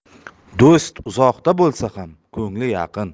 do'st uzoqda bo'lsa ham ko'ngli yaqin